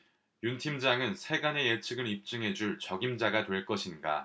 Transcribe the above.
윤 팀장은 세간의 예측을 입증해 줄 적임자가 될 것인가